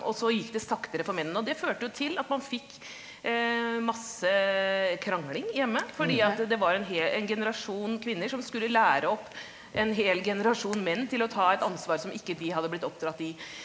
og så gikk det saktere for mennene og det førte jo til at man fikk masse krangling hjemme fordi at det var en en generasjon kvinner som skulle lære opp en hel generasjon menn til å ta et ansvar som ikke de hadde blitt oppdratt i.